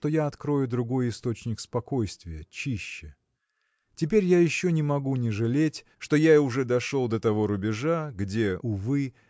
что я открою другой источник спокойствия – чище. Теперь я еще не могу не жалеть что я уже дошел до того рубежа где – увы!